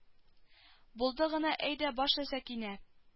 Булды гына әйдә башла сәкинә